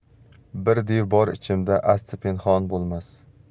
bir dev bor ichimda asti pinhon bo'lmas